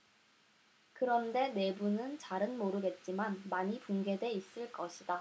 그런데 내부는 잘은 모르겠지만 많이 붕괴돼 있을 것이다